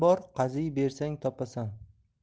bor qaziy bersang topasan